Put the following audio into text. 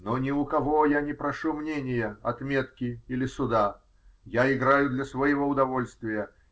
Но ни у кого я не прошу мнения, отметки или суда: я играю для своего удовольствия